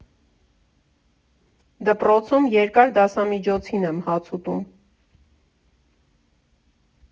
Դպրոցում երկար դասամիջոցին եմ հաց ուտում։